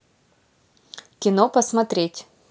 кино посмотреть